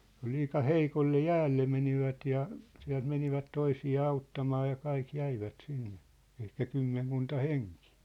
liika heikolle jäälle menivät ja sieltä menivät toisiaan auttamaan ja kaikki jäivät sinne ehkä kymmenkunta henkeä